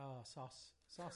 O, sos, sos.